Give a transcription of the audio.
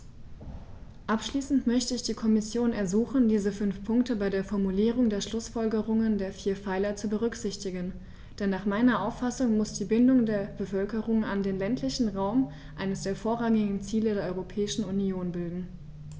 Abschließend möchte ich die Kommission ersuchen, diese fünf Punkte bei der Formulierung der Schlußfolgerungen der vier Pfeiler zu berücksichtigen, denn nach meiner Auffassung muss die Bindung der Bevölkerung an den ländlichen Raum eines der vorrangigen Ziele der Europäischen Union bilden.